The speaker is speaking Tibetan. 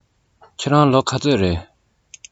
ཁྱེད རང ལོ ག ཚོད རེད